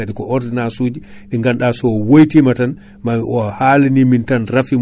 ɗum ɗo non ko ɗo kalaten ɗo kaadi gon ɗen koye halde e weeyo